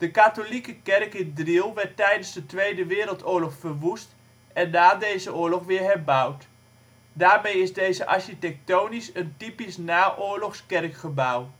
katholieke kerk in Driel werd tijdens de Tweede Wereldoorlog verwoest en na deze oorlog weer herbouwd. Daarmee is deze architectonisch een typisch naoorlogs kerkgebouw